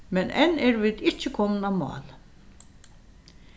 men enn eru vit ikki komin á mál